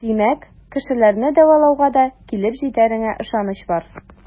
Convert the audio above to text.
Димәк, кешеләрне дәвалауга да килеп җитәренә ышаныч бар.